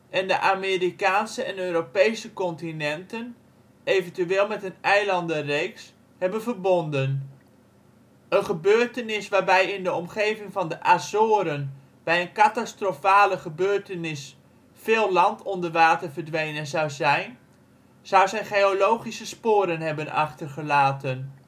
en de Amerikaanse en Europese continenten, eventueel met een eilandenreeks, hebben verbonden. Een gebeurtenis waarbij in de omgeving van de Azoren bij een catastrofale gebeurtenis veel land onder water verdwenen zou zijn, zou zijn geologische sporen hebben achtergelaten